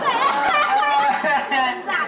thế ha ha